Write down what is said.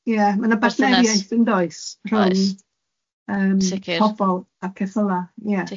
Ma' 'na ia ma' 'na bartneriaeth yn does... Oes... rhwng yym... sicir... pobol a ceffyla ia.